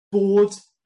bod